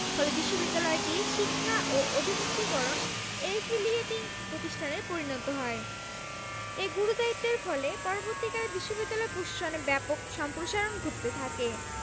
ফলে বিশ্ববিদ্যালয়টি শিক্ষা ও অধিভূক্তিকরণ এফিলিয়েটিং প্রতিষ্ঠানে পরিণত হয় এ গুরুদায়িত্বের ফলে পরবর্তীকালে বিশ্ববিদ্যালয় প্রশাসনে ব্যাপক সম্প্রসারণ ঘটতে থাকে